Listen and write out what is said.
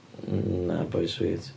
Na, boi sweets.